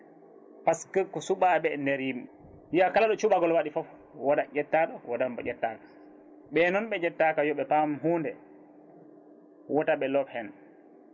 par ce que ko suɓaɓe e nder yimɓe wiiya kala ɗo cuɓagaol waaɗi foof wodat ƴettaɓe wodan mo ƴettaka ɓe noon ɓe ƴettaka yooɓe paam hunde wootoɓe loob hen